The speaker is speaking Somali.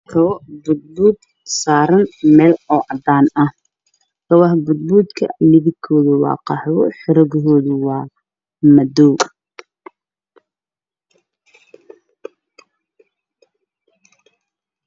Waa kowda oo saaran meel cadaan ah kabaha waa kaba nimid waana kaba qaxay